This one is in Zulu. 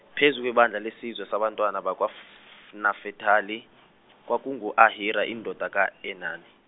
phezu kwebandla lesizwe sabantwana bakwaf- Nafetali kwakungu-Ahira indoda ka-Enani.